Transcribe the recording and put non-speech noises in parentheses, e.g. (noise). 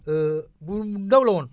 (hesitation) bu ndaw la woon